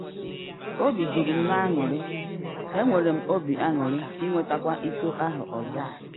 Obi juru m n’anụrị, enwere m obi anụrị ịnwetakwa iko ahụ ọzọ.